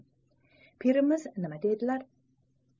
pirimiz nima deydilar